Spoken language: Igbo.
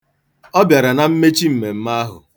Ọ bịara na mmechi mmemme ahụ.